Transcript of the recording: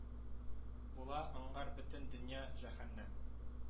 Була аңгар бөтен дөнья җәһәннәм